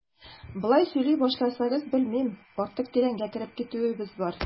Болай сөйли башласагыз, белмим, артык тирәнгә кереп китүебез бар.